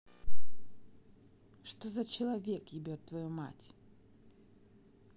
что за человек ебет твою мать